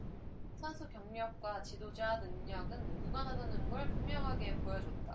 선수 경력과 지도자 능력은 무관하다는 걸 분명하게 보여줬다